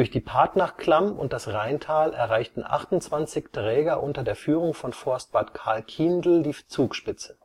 die Partnachklamm und das Reintal erreichten 28 Träger unter der Führung von Forstwart Karl Kiendl die Zugspitze